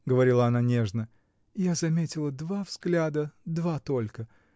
— говорила она нежно, — я заметила два взгляда, два только.